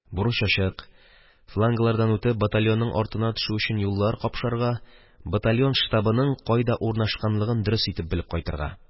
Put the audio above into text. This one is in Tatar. Бурыч ачык: фланглардан үтеп, батальонның артына төшү өчен юллар капшарга, батальон штабының кайда урнашканлыгын дөрес итеп белеп кайтырга.